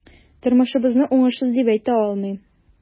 Тормышыбызны уңышсыз дип әйтә алмыйм.